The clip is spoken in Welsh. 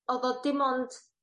o'dd o dim ont